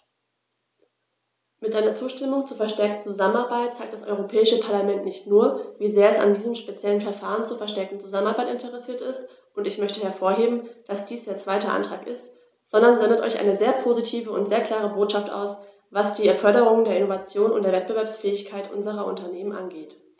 Mit seiner Zustimmung zur verstärkten Zusammenarbeit zeigt das Europäische Parlament nicht nur, wie sehr es an diesem speziellen Verfahren zur verstärkten Zusammenarbeit interessiert ist - und ich möchte hervorheben, dass dies der zweite Antrag ist -, sondern sendet auch eine sehr positive und sehr klare Botschaft aus, was die Förderung der Innovation und der Wettbewerbsfähigkeit unserer Unternehmen angeht.